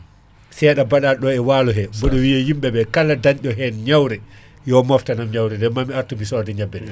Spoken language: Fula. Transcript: seɗa baɗaɗo e walo he biɗo wiya yimɓeɓe kala dañɗo hen ñewre yo moftanam ñewre nde mami artu mi soda ñebe ɗe